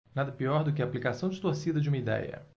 nada pior que a aplicação distorcida de uma idéia